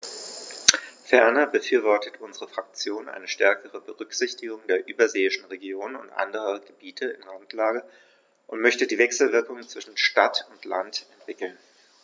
Ferner befürwortet unsere Fraktion eine stärkere Berücksichtigung der überseeischen Regionen und anderen Gebieten in Randlage und möchte die Wechselwirkungen zwischen Stadt und Land entwickeln.